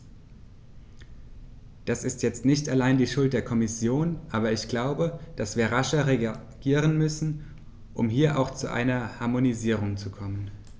Das ist jetzt nicht allein die Schuld der Kommission, aber ich glaube, dass wir rascher reagieren müssen, um hier auch zu einer Harmonisierung zu kommen.